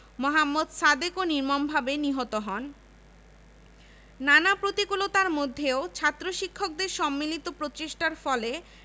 প্রতীচ্য শিক্ষায় পঞ্চাশ বছর পশ্চাদ্বর্তী মুসলমানগণ বুঝতে পারে যে শিক্ষাক্ষেত্রে পশ্চাৎপদ হওয়াটাই সমাজের অন্যান্য ক্ষেত্রে তাদের পিছিয়ে পড়ার অন্যতম প্রধান কারণ